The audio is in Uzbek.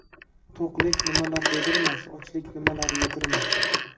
to'qlik nimalar dedirmas ochlik nimalar yedirmas